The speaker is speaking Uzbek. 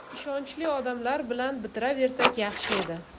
ishonchli odamlar bilan bitiraversak yaxshi edi